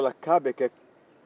yɔrɔ dɔ la ka bɛ kɛ